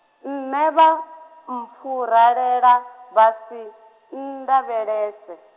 nṋe vha, mpfuralela, vhasi, nndavhelese.